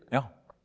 ja.